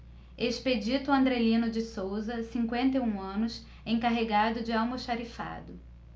expedito andrelino de souza cinquenta e um anos encarregado de almoxarifado